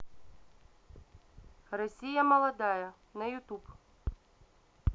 россия молодая на ютуб